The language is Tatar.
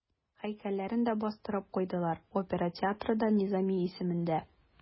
Һәйкәлләрен дә бастырып куйдылар, опера театры да Низами исемендә.